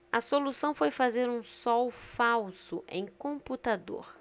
a solução foi fazer um sol falso em computador